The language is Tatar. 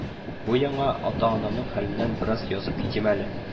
Бу яңа ата-анамның хәленнән бераз язып китим әле